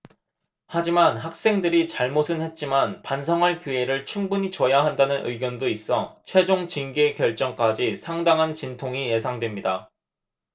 하지만 학생들이 잘못은 했지만 반성할 기회를 충분히 줘야 한다는 의견도 있어 최종 징계 결정까지 상당한 진통이 예상됩니다